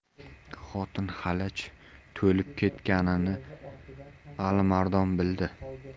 xotin xalaj to'lib ketganini alimardon bildi